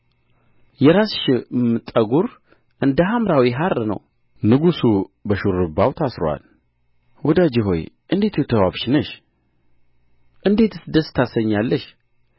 የራስሽም ጠጕር እንደ ሐምራዊ ሐር ነው ንጉሡ በሹርባው ታስሮአል ወዳጄ ሆይ እንዴት የተዋብሽ ነሽ እንዴትስ ደስ ታሰኛለሽ